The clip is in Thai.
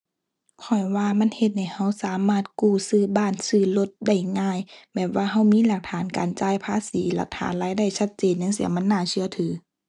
ข้อยว่ามันเฮ็ดให้เราสามารถกู้ซื้อบ้านซื้อรถได้ง่าย แบบว่าเรามีหลักฐานการจ่ายภาษี หลักฐานรายได้ชัดเจนจั่งซี้ มันน่าเชื่อถือ